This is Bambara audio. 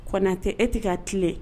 Konatɛ e tɛ ka tilen